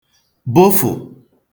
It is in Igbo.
bụfụ̀